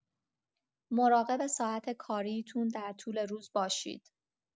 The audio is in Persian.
مراقب ساعت کاریتون در طول روز باشید!